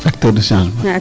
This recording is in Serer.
acteur de changement